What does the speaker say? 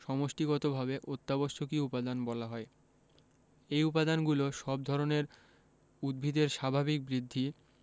সমষ্টিগতভাবে অত্যাবশ্যকীয় উপাদান বলা হয় এই উপাদানগুলো সব ধরনের উদ্ভিদের স্বাভাবিক বৃদ্ধি